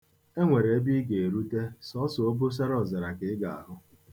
E nwere ebe ị ga-erute, sọọsọ obosara ọzara ka ị ga-ahụ.